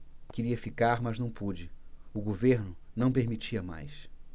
queria ficar mas não pude o governo não permitia mais